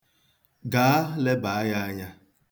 Gaa, lebaa ya anya.